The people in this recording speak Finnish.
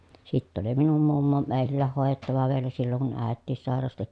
sitten oli minun mummo meillä hoidettava vielä silloin kun äitikin sairasti